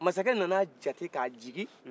masakɛ nana jaate ka jigin